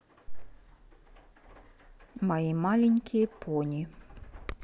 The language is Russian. мои маленькие пони